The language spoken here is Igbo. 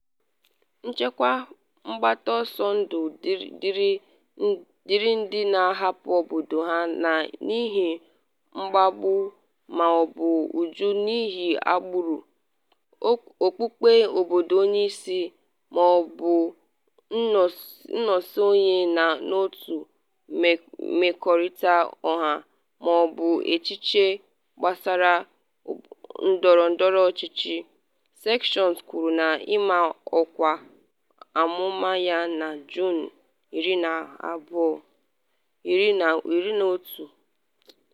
“Nchekwa mgbata ọsọ ndụ dịịrị ndị na-ahapụ obodo ha n’ihi mkpagbu ma ọ bụ ụjọ n’ihi agbụrụ, okpukpe, obodo onye si, ma ọ bụ nsonye n’otu mmekọrịta ọha ma ọ bụ echiche gbasara ndọrọndọrọ ọchịchị,” Sessions kwuru na ịma ọkwa amụma ya na Juun 11.